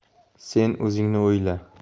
sen o'zingni o'yla